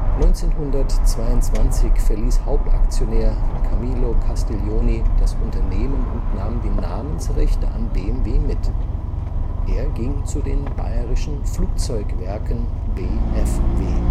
1922 verließ Hauptaktionär Camillo Castiglioni das Unternehmen und nahm die Namensrechte an BMW mit. Er ging zu den Bayerischen Flugzeugwerken (BFW